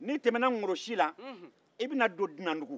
n'i tanbe na golo si la i bɛ na don dunandugu